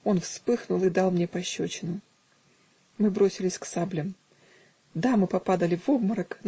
Он вспыхнул и дал мне пощечину. Мы бросились к саблям дамы попадали в обморок